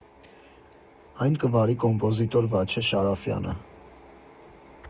Այն կվարի կոմպոզիտոր Վաչե Շարաֆյանը։